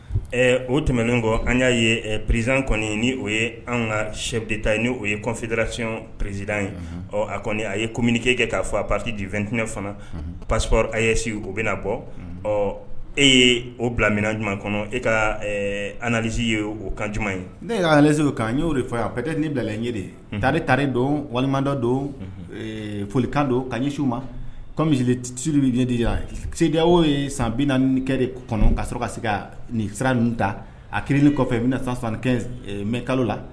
O tɛmɛnen kɔ an y'a ye pererizan kɔni ni o ye an ka sɛ de ta ye o yefedarasiɔn prizd ye a kɔni a ye komke kɛ k'a fɔ pridi2tinɛ fana parce a sigi o bɛna na bɔ ɔ e ye o bilamin j kɔnɔ e ka anz ye o kan ɲuman ye ne y'alezse'an ɲɛ'o de fa a ne daere taaale taarare don walima dɔ don folikan don ka ɲɛsiw ma kɔmi mizsi bɛ ɲɛdi sidi oo ye san bikɛ de kɔnɔ ka sɔrɔ ka se ka nin siran ta a kirili kɔfɛ n bɛna san kɛ mɛ kalo la